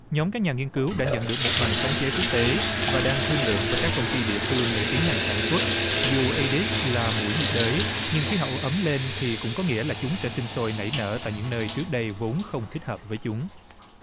nhóm các nhà nghiên cứu đã nhận được một bằng sáng chế quốc tế và đang thương lượng với các công ty địa phương để tiến hành sản xuất dù ây đít là muỗi nhiệt đới nhưng khí hậu ấm lên thì cũng có nghĩa là chúng sẽ sinh sôi nảy nở tại những nơi trước đây vốn không thích hợp với chúng